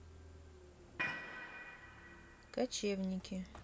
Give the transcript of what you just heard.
качевники